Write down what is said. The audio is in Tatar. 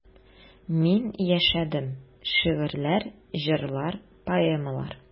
Мин яшәдем: шигырьләр, җырлар, поэмалар.